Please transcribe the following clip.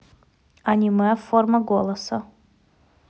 аниме форма голоса